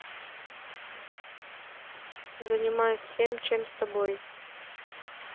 занимаюсь всем чем с тобой